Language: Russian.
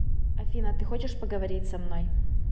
афина ты хочешь поговорить со мной